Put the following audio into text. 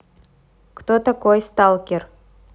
кто такой сталкер